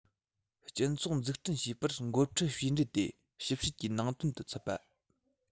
སྤྱི ཚོགས འཛུགས སྐྲུན བྱེད པར འགོ ཁྲིད བྱས འབྲས དེ ཞིབ དཔྱད ཀྱི ནང དོན དུ བཙུད པ